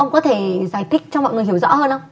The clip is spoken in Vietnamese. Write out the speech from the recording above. ông có thể giải thích cho mọi người hiểu rõ hơn không